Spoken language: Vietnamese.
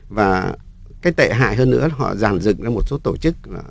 và cái tệ hại hơn nữa là họ giàn dựng ra một số tổ chức